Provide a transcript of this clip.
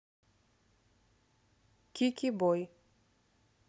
кики бой